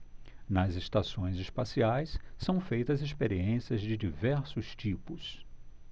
nas estações espaciais são feitas experiências de diversos tipos